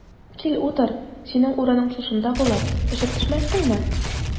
Кил, утыр, синең урының шушында булыр, очып төшмәссеңме?